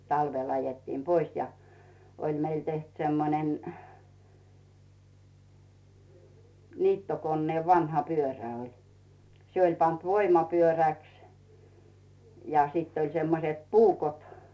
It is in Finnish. talvella ajettiin pois ja oli meillä tehty semmoinen niittokoneen vanha pyörä oli se oli pantu voimapyöräksi ja sitten oli semmoiset puukot